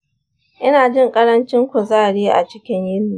ina jin ƙarancin kuzari a cikin yini.